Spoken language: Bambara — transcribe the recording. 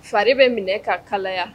Fari bɛ minɛ ka kalaya